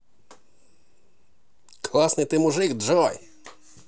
классный ты мужик джой